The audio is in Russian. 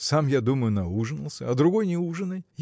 сам, я думаю, наужинался, а другой не ужинай!